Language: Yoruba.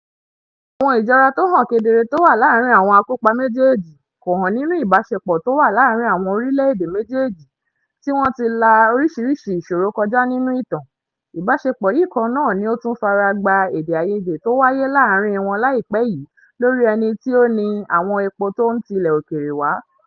Àwon ìjọra tó hàn kedere tó wà láàárín àwọn akópa méjèèjì kò hàn nínú ìbáṣepọ̀ tó wà láàárín àwọn orílẹ̀ èdè méjèèjì tí wọn ti la oríṣiríṣi ìṣòro kọjá nínú ìtàn, ìbáṣepọ̀ yìí kan náà ni ó tún fara gbá èdè àìyédè tó wáyé láàárín wọn láìpẹ́ yìí lórí ẹni tó ni àwọn epo tó ń ti ilẹ̀ òkèèrè wá.